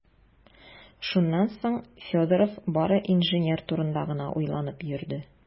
Шуннан соң Федоров бары инженер турында гына уйланып йөрде.